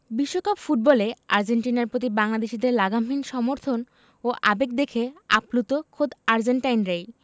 বিশ্বকাপ ফুটবলে আর্জেন্টিনার প্রতি বাংলাদেশিদের লাগামহীন সমর্থন ও আবেগ দেখে আপ্লুত খোদ আর্জেন্টাইনরাই